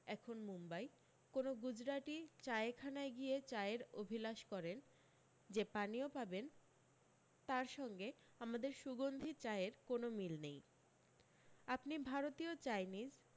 এখন মুম্বাই কোনও গুজরাটি চায়খানায় গিয়ে চায়ের অভিলাষ করেন যে পানীয় পাবেন তার সঙ্গে আমাদের সুগন্ধী চায়ের কোনও মিল নেই আপনি ভারতীয় চাইনীজ